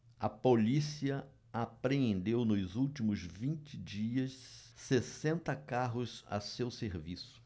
a polícia apreendeu nos últimos vinte dias sessenta carros a seu serviço